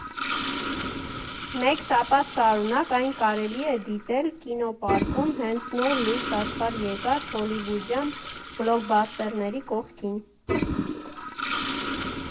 Մեկ շաբաթ շարունակ այն կարելի է դիտել ԿինոՊարկում՝ հենց նոր լույս աշխարհ եկած հոլիվուդյան բլոքբասթերների կողքին։